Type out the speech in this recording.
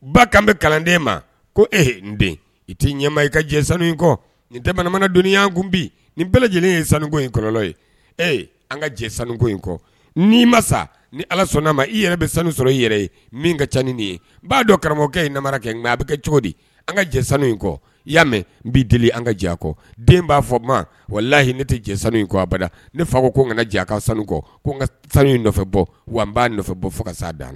Ba kan bɛ kalanden ma ko ee n den i t tɛi ɲɛmaa i ka jɛ sanu in kɔ nin jamanamana doni' kun bi nin bɛɛ lajɛlen ye sanuko in kɔlɔnlɔ ye ee an ka jɛ sanuko in kɔ ni ma sa ni ala sɔnna n'a ma i yɛrɛ bɛ sanu sɔrɔ i yɛrɛ ye min ka caani nin ye b baa dɔn karamɔgɔkɛ ye in na kɛ nka a bɛ kɛ cogo di an ka jɛ sanu in kɔ y yaa mɛn n bɛ deli an ka jɛkɔ den b'a fɔ ma wala layi ne tɛ jɛ sanu in kɔ abada ne fako ko n ka jɛ aka sanu kɔ ko ka sanu in nɔfɛ bɔ wa n b'a nɔfɛ bɔ fo kasa dan